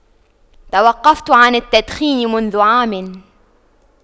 توقفت عن التدخين منذ عام